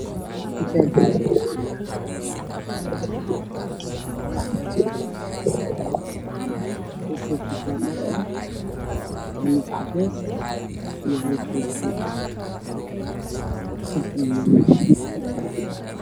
Meeshaan waxaa marayo nin u socdo masaajidka wuxuu wataa khamiis caddaan ah iyo koofi cadaan